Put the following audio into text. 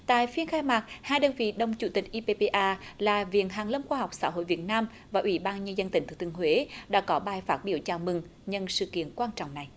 tại phiên khai mạc hai đơn vị đồng chủ tịch i pi pi a là viện hàn lâm khoa học xã hội việt nam và ủy ban nhân dân tỉnh thừa thiên huế đã có bài phát biểu chào mừng nhân sự kiện quan trọng này